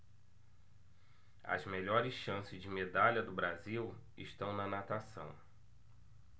as melhores chances de medalha do brasil estão na natação